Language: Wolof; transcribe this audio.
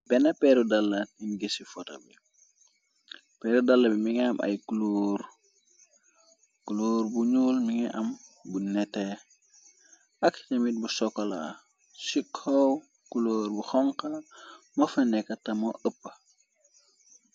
Benn peeru dalaat ingeci foto bi peeru dalla bi mi nga am ay kuloor bu ñuul mi nga am bu nete ak tamit bu sokola ci kow kuloor bu xonka mofa neka tamo ëpp.